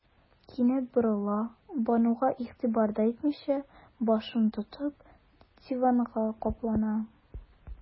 Кинәт борыла, Бануга игътибар да итмичә, башын тотып, диванга каплана.